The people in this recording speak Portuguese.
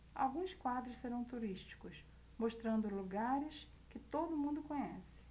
alguns quadros serão turísticos mostrando lugares que todo mundo conhece